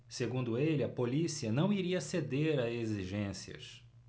segundo ele a polícia não iria ceder a exigências